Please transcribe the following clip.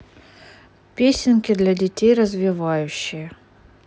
песенки для детей развивающие